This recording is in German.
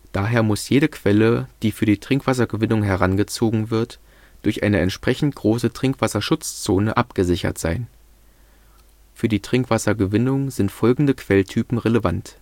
Daher muss jede Quelle, die für die Trinkwassergewinnung herangezogen wird, durch eine entsprechend große Trinkwasserschutzzone abgesichert sein. Für die Trinkwassergewinnung sind folgende Quelltypen relevant